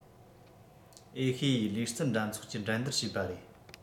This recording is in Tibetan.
ཨེ ཤེ ཡའི ལུས རྩལ འགྲན ཚོགས ཀྱི འགྲན བསྡུར བྱས པ རེད